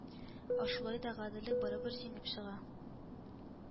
Ә шулай да гаделлек барыбер җиңеп чыга